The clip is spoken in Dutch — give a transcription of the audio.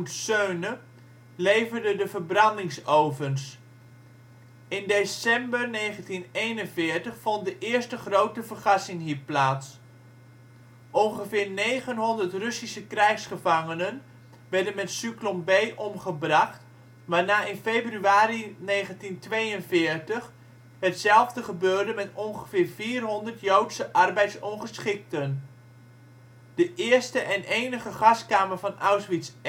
Söhne leverde de verbrandingsovens. In december 1941 vond de eerste grote vergassing hier plaats. Ongeveer negenhonderd Russische krijgsgevangenen werden met Zyklon B omgebracht, waarna in februari 1942 hetzelfde gebeurde met ongeveer vierhonderd Joodse arbeidsongeschikten. De eerste en enige gaskamer van Auschwitz